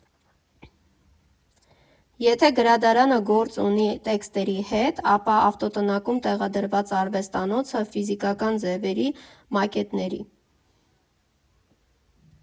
Եթե գրադարանը գործ ունի տեքստերի հետ, ապա ավտոտնակում տեղադրված արվեստանոցը՝ ֆիզիկական ձևերի, մակետների։